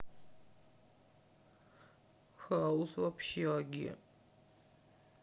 хаус в общаге